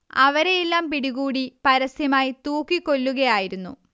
അവരെയെല്ലാം പിടികൂടി പരസ്യമായി തൂക്കിക്കൊല്ലുകയായിരുന്നു